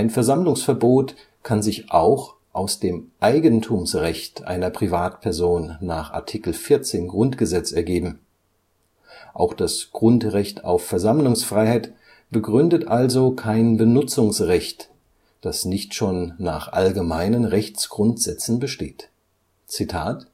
Versammlungsverbot kann sich auch aus dem Eigentumsrecht einer Privatperson nach Art. 14 GG ergeben. Auch das Grundrecht auf Versammlungsfreiheit begründet also kein Benutzungsrecht, das nicht schon nach allgemeinen Rechtsgrundsätzen besteht: „ Das